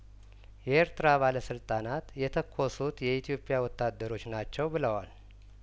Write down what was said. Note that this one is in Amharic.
የኤርትራ ባለስልጣናት የተኮሱት የኢትዮጵያ ወታደሮች ናቸው ብለዋል